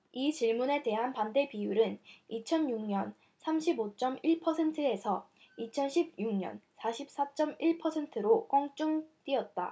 이 질문에 대한 반대비율은 이천 육 년 삼십 오 쩜 일 퍼센트에서 이천 십 육 년 사십 사 쩜 일 퍼센트로 껑충 뛰었다